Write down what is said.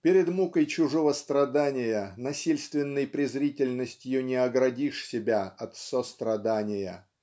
Перед мукой чужого страдания насильственной презрительностью не оградишь себя от сострадания